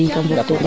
i kam foog teen rek